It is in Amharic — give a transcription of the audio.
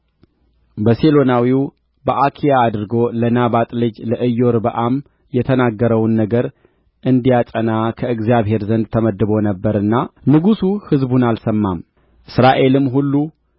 በሴሎናዊው በአኪያ አድርጎ ለናባጥ ልጅ ለኢዮርብዓም የተናገረውን ነገር እንዲያጸና ከእግዚአብሔር ዘንድ ተመድቦ ነበርና ንጉሡ ሕዝቡን አልሰማም እስራኤልም ሁሉ